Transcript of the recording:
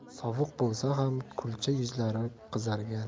sovuq bo'lsa ham kulcha yuzlari qizargan